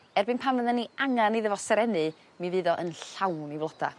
erbyn pan fydden ni angan iddo fo serennu mi fydd o yn llawn 'i floda